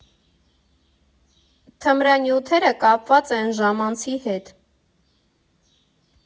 Թմրանյութերը կապված են ժամանցի հետ։